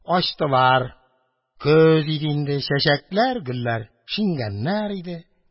Ачтылар. Көз иде инде, чәчәкләр, гөлләр шиңгәннәр иде.